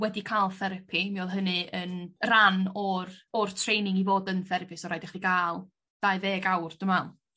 wedi ca'l therapi mi odd hynny yn ran o'r o'r training i fod yn therapist o' rhaid i chdi ga'l dau ddeg awr dwi me'wl.